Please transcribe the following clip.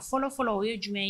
Fɔlɔ fɔlɔ o ye jumɛn ye?